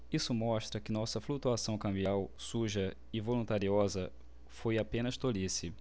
isso mostra que nossa flutuação cambial suja e voluntariosa foi apenas tolice